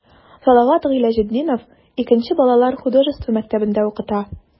Салават Гыйләҗетдинов 2 нче балалар художество мәктәбендә укыта.